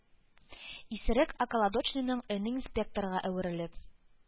Исерек околодочныйның өне инспекторга әверелеп: